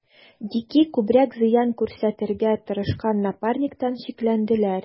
Дикий күбрәк зыян күрсәтергә тырышкан Напарниктан шикләнделәр.